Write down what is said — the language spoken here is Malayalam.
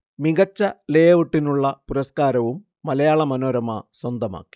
മികച്ച ലേ ഔട്ടിനുള്ള പുരസ്കാരവും മലയാള മനോരമ സ്വന്തമാക്കി